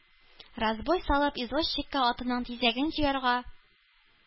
Разбой салып, извозчикка атының тизәген җыярга,